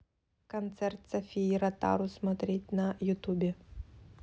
концерт софии ротару смотреть на ютубе